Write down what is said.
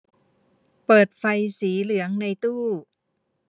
เปิดไฟสีเหลืองในตู้